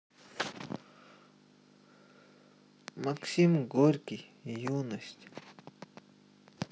максим горький юность